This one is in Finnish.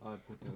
ai puteli